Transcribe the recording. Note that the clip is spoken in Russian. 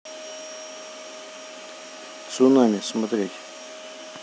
цунами смотреть